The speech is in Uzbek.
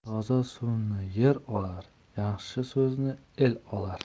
toza suvni yer olar yaxshi so'zni el olar